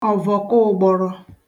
ọ̀vọ̀kọ ụgbọrọ